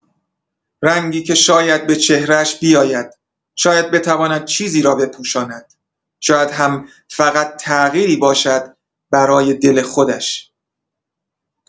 رنگی که شاید به چهره‌اش بیاید، شاید بتواند چیزی را بپوشاند، شاید هم فقط تغییری باشد برای دل خودش.